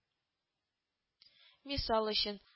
Мисал өчен